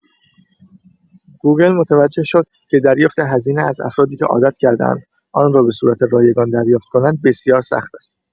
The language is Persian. گوگل متوجه شد که دریافت هزینه از افرادی که عادت کرده‌اند، آن را به صورت رایگان دریافت کنند، بسیار سخت است!